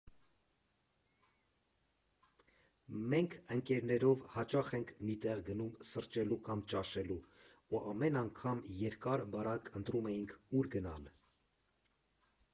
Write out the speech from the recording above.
Մենք ընկերներով հաճախ ենք մի տեղ գնում սրճելու կամ ճաշելու, ու ամեն անգամ երկար֊բարակ ընտրում էինք՝ ուր գնալ։